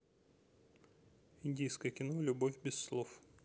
индийское кино любовь без слов